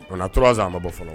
O t tora zana ma bɔ fɔlɔ